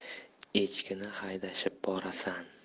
echkini haydashib borasan